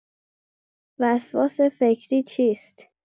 وسواس فکری چیست؟